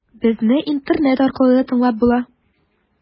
Безне интернет аркылы да тыңлап була.